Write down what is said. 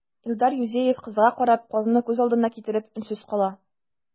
Илдар Юзеев, кызга карап, казны күз алдына китереп, өнсез кала.